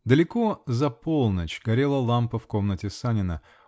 Далеко за полночь горела лампа в комнате Санина.